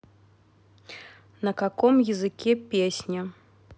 на каком языке песня